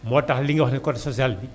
moo tax li nga wax ne code social bi